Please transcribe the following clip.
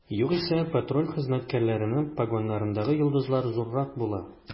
Югыйсә, патруль хезмәткәрләренең погоннарындагы йолдызлар зуррак була.